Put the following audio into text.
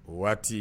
O waati